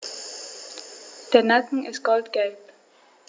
Der Nacken ist goldgelb.